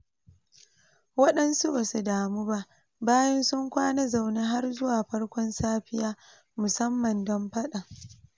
Wadansu ba su damu ba bayan sun kwana zaune har zuwa har farkon safiya musamman don fadan.